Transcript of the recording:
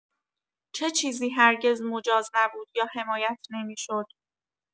چه چیزی هرگز مجاز نبود یا حمایت نمی‌شد؟